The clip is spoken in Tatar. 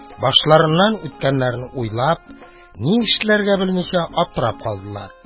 Башларыннан үткәннәрне уйлап, ни эшләргә белмичә аптырап калдылар.